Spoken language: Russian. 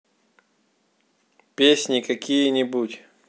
песни какие нибудь